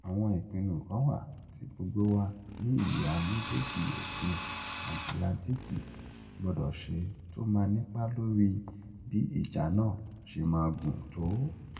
Àwọn ìpinnu kan wà tí gbogbo wa ní ìhà méjèèjì Òkun Àtìláńtíìkì gbọ́dọ̀ ṣe tó máa nípa lórí bí ìjà náà ṣe máa gùn tó.